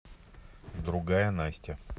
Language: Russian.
другая настя